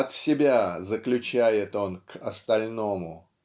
От себя заключает он к остальному.